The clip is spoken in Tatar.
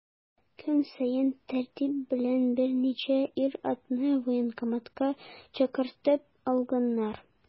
Көн саен тәртип белән берничә ир-атны военкоматка чакыртып алганнар.